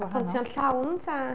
Oedd Pontio'n llawn ta?